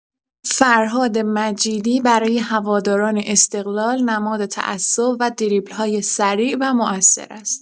فرهاد مجیدی برای هواداران استقلال نماد تعصب و دریبل‌های سریع و موثر است.